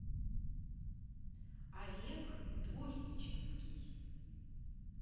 олег двуреченский